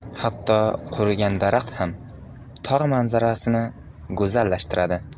hatto qurigan daraxt ham tog' manzarasini go'zallashtiradi